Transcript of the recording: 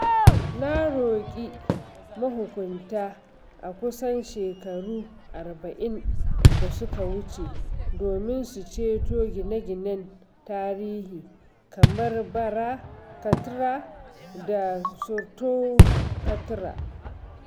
Na roƙi mahukunta a kusan shekaru arba'in da suka wuce domin su ceto gine-ginen tarihi kamar Bara Katra da Choto Katra.